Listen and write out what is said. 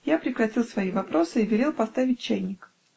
Я прекратил свои вопросы и велел поставить чайник.